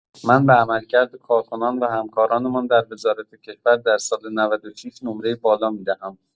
من به عملکرد کارکنان و همکارانمان در وزارت کشور در سال ۹۶، نمره بالا می‌دهم.